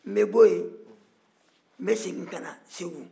n bɛ bɔ yen n bɛ segin ka na segu